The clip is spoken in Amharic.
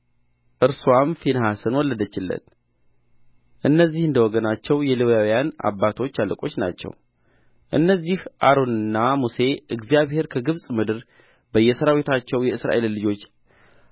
እርስዋም ፊንሐስን ወለደችለት እነዚህ እንደ ወገኖቻቸው የሌዋውያን አባቶች አለቆች ናቸው እነዚህ አሮንና ሙሴ እግዚአብሔር ከግብፅ ምድር በየሠራዊቶቻቸው የእስራኤልን ልጆች